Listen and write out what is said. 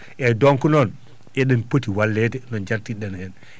eeyi donc noon eɗen poti walleede no jaltirɗen heen